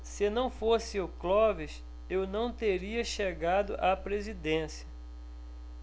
se não fosse o clóvis eu não teria chegado à presidência